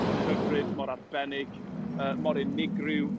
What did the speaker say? Mor hyfryd, mor arbennig, yy, mor unigryw.